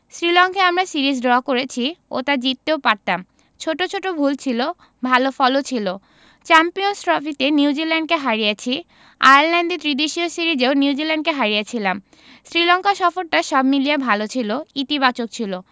শ্রীলঙ্কায় আমরা series draw করেছি ওটা জিততেও পারতাম ছোট ছোট ভুল ছিল ভালো ফলও ছিল চ্যাম্পিয়নস ট্রফিতে নিউজিল্যান্ডকে হারিয়েছি আয়ারল্যান্ডে ত্রিদেশীয় সিরিজেও নিউজিল্যান্ডকে হারিয়েছিলাম শ্রীলঙ্কা সফরটা সব মিলিয়ে ভালো ছিল ইতিবাচক ছিল